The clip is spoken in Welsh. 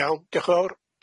Iawn diolch yn fowr.